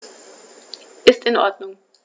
Ist in Ordnung.